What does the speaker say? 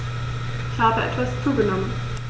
Ich habe etwas zugenommen